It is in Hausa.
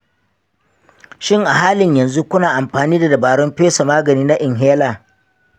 shin a halin yanzu kuna amfani da dabarun fesa magani na inhaler?